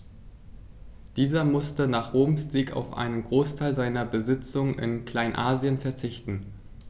Dieser musste nach Roms Sieg auf einen Großteil seiner Besitzungen in Kleinasien verzichten.